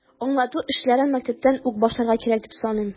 Аңлату эшләрен мәктәптән үк башларга кирәк, дип саныйм.